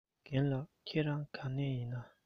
རྒན ལགས ཁྱེད རང ག ནས ཡིན ན